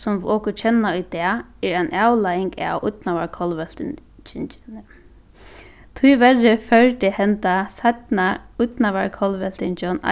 sum okur kenna í dag er ein avleiðing av tíverri førdi henda seinna ídnaðarkollveltingin